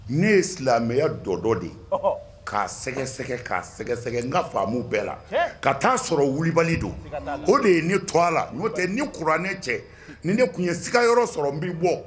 Ne ye silamɛya dɔ dɔ de k' sɛgɛsɛgɛ' sɛgɛsɛgɛ n ka faamu bɛɛ la ka t' sɔrɔ wulilibali don o de ye ne tɔ la'o ni kuran ne cɛ ni ne tun ye sika yɔrɔ sɔrɔ n bɛ bɔ